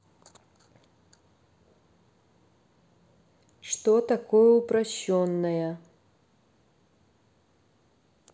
что такое упрощенная